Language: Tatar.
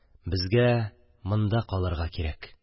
Безгә монда калырга кирәк.